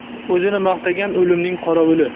o'zini maqtagan o'limning qorovuli